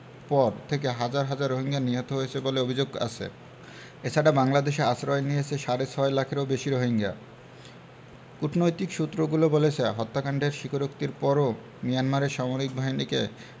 পর থেকে হাজার হাজার রোহিঙ্গা নিহত হয়েছে বলে অভিযোগ আছে এ ছাড়া বাংলাদেশে আশ্রয় নিয়েছে সাড়ে ছয় লাখেরও বেশি রোহিঙ্গা কূটনৈতিক সূত্রগুলো বলেছে হত্যাকাণ্ডের স্বীকারোক্তির পরও মিয়ানমারের সামরিক বাহিনীকে